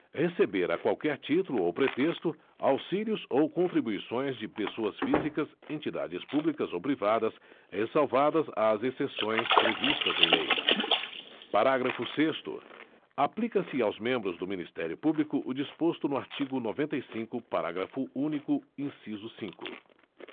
receber a qualquer título ou pretexto auxílios ou contribuições de pessoas físicas entidades públicas ou privadas ressalvadas as exceções previstas em lei parágrafo sexto aplica se aos membros do ministério público o disposto no artigo noventa e cinco parágrafo único inciso cinco